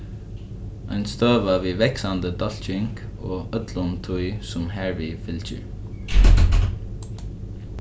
ein støða við vaksandi dálking og øllum tí sum harvið fylgir